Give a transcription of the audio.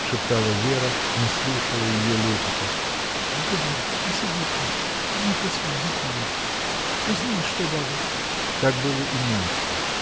— шептала Вера, не слушая ее лепета, — не говори, посиди так, не пускай никого. Узнай, что бабушка? Так было и ночью.